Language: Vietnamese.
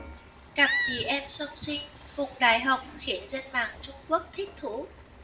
cặp chị em song sinh cùng đại học khiến dân mạng trung quốc thích thú